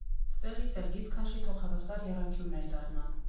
Ստեղից էլ գիծ քաշի, թող հավասար եռանկյուններ դառնան։